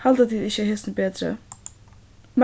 halda tit ikki at hesin er betri